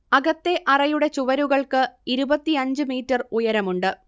അകത്തെ അറയുടെ ചുവരുകൾക്ക് ഇരുപത്തിയഞ്ച് മീറ്റർ ഉയരമുണ്ട്